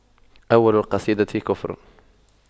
أول القصيدة كفر